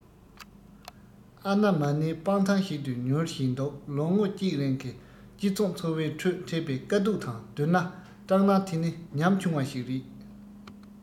ཨ ན མ ནའི སྤང ཐང ཞིག ཏུ ཉུལ བཞིན འདུག ལོ ངོ གཅིག རིང གི སྤྱི ཚོགས འཚོ བའི ཁྲོད འཕྲད པའི དཀའ སྡུག དང བསྡུར ན སྐྲག སྣང དེ ནི ཉམ ཆུང བ ཞིག རེད